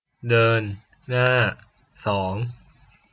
เดินหน้าสอง